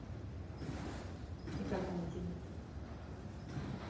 и как она тебе